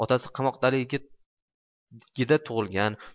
otasi qamoqdaligida tug'ilgan